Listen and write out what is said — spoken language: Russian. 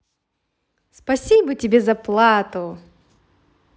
спасибо тебе за плату